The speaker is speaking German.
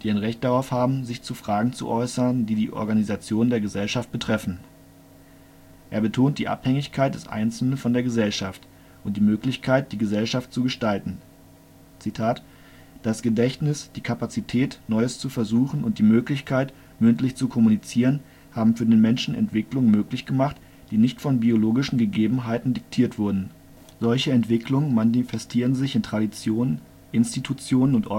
Recht darauf haben, sich zu Fragen zu äußern, die die Organisation der Gesellschaft betreffen. “Er betont die Abhängigkeit des Einzelnen von der Gesellschaft, und die Möglichkeit, die Gesellschaft zu gestalten: „ Das Gedächtnis, die Kapazität, Neues zu versuchen und die Möglichkeit, mündlich zu kommunizieren haben für den Menschen Entwicklungen möglich gemacht, die nicht von biologischen Gegebenheiten diktiert wurden. Solche Entwicklungen manifestieren sich in Traditionen, Institutionen und Organisationen